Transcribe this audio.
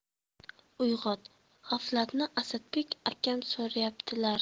uyg'ot g'aflatni asadbek akam so'rayaptilar